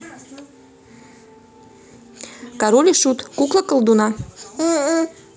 король и шут кукла колдуна